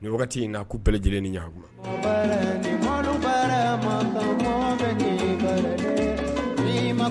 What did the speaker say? Ti in na ko bɛɛlɛ lajɛlenni ɲɔgɔn maba faama bɛ bɛkuma mɔgɔ faama ka